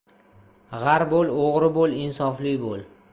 g'ar bo'l o'g'ri bo'l insofli bo'l